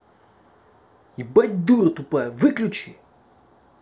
ебать дура тупая выключи